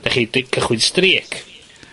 'dach chi 'di cychwyn streak.